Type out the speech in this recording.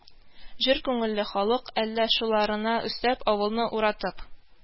Җор күңелле халык, әллә, шуларына өстәп, авылны уратып